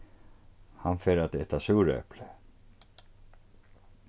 hann fer at eta súreplið